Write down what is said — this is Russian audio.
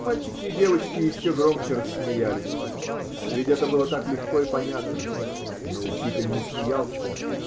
Мальчики и девочки еще громче рассмеялись: ведь это было так легко и понятно! Но учитель не смеялся.